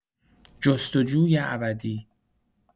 جستجوی ابدی